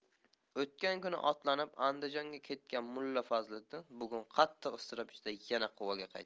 o'tgan kuni otlanib andijonga ketgan mulla fazliddin bugun qattiq iztirob ichida yana quvaga qaytdi